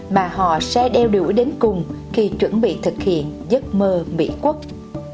mà họ sẽ đeo đuổi đến cùng khi chuẩn bị thực hiện giấc mơ mỹ quốc